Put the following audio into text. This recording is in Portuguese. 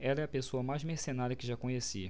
ela é a pessoa mais mercenária que já conheci